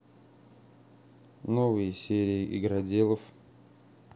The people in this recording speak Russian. новые серии игроделов